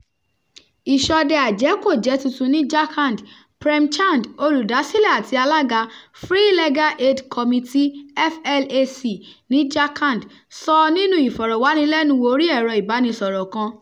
"Ìṣọdẹ-àjẹ́ kò jẹ́ tuntun ní Jharkhand", Prem Chand, Olúdásílẹ̀ àti Alága Free Legal Aid Committee (FLAC) ní Jharkhand, sọ nínúu ìfọ̀rọ̀wánilẹ́nuwò orí ẹ̀ro-ìbánisọ̀rọ̀ kan.